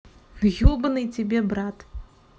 ну ебаный тебе брат